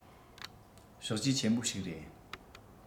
བཤག བཅོས ཆེན པོ ཞིག རེད